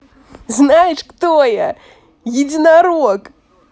знаешь кто я единорог